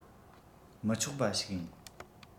མི ཆོག པ ཞིག ཡིན